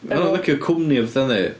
Maen nhw'n licio cwmni a pethau yndi?